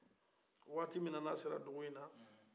waati min na ni a sera dugu in na